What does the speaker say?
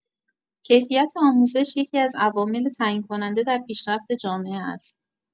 کیفیت آموزش یکی‌از عوامل تعیین‌کننده در پیشرفت جامعه است.